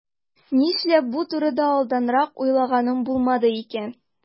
Нишләп бу турыда алданрак уйлаганым булмады икән?